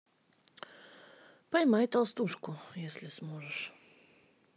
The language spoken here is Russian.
поймай толстушку если сможешь